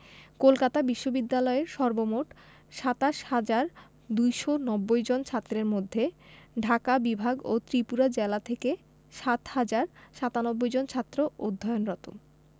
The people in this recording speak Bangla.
কলকাতা বিশ্ববিদ্যালয়ের সর্বমোট ২৭ হাজার ২৯০ জন ছাত্রের মধ্যে ঢাকা বিভাগ ও ত্রিপুরা জেলা থেকে ৭ হাজার ৯৭ জন ছাত্র অধ্যয়নরত